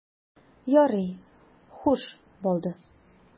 Ярый, хуш, балдыз.